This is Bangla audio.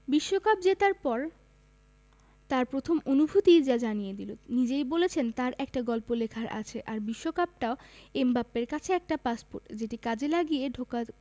বিশ্বকাপ জেতার পর তাঁর প্রথম অনুভূতিই যা জানিয়ে দিল নিজেই বলছেন তাঁর একটা গল্প লেখার আছে আর বিশ্বকাপটা এমবাপ্পের কাছে একটা পাসপোর্ট যেটি কাজে লাগিয়ে ঢোকা